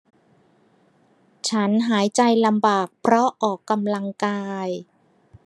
ฉันหายใจลำบากเพราะออกกำลังกาย